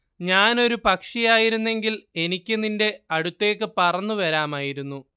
ഞാൻ ഒരു പക്ഷിയായിരുന്നെങ്കിൽ എനിക്ക് നിന്റെ അടുത്തേക്ക് പറന്നു വരാമായിരുന്നു